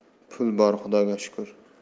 pul bor xudoga shukr